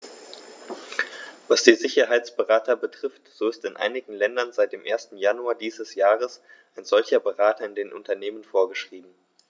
Was die Sicherheitsberater betrifft, so ist in einigen Ländern seit dem 1. Januar dieses Jahres ein solcher Berater in den Unternehmen vorgeschrieben.